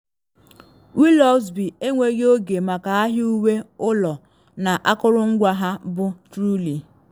Willoughby enweghị oge maka ahịa uwe ụlọ na akụrụngwa ha bụ Truly.